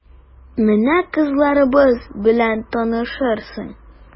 Менә кызларыбыз белән танышырсың...